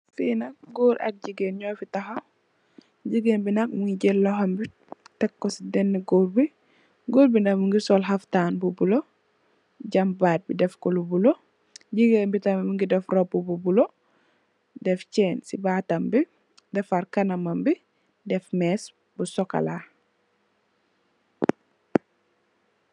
Fi nak goor ak jigéen nyufi taxaw jigeen bi nak mogi jeel loxom bi tek ko si dene goor bi goor bi nak mogi sol xaftan bu bulo jam baat bi def ko lu bulo jigeen tam mogi def roba bu bulo def chain si batam bi defar kanambi def mess bu chocola.